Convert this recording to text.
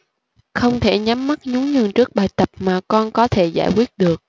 không thể nhắm mắt nhún nhường trước bài tập mà con có thể giải quyết được